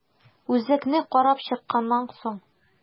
Үзәкне карап чыкканнан соң.